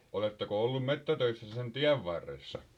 oletteko ollut metsätöissä sen tien varressa